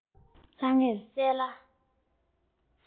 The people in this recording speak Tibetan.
ལྷང ངེར གསལ ལ